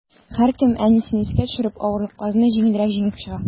Һәркем, әнисен искә төшереп, авырлыкларны җиңелрәк җиңеп чыга.